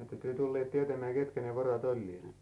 ette te tulleet tietämään ketkä ne vorot olivat